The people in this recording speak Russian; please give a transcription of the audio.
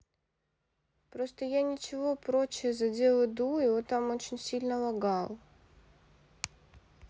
просто я ничего прочее задел иду и там очень сильно лагал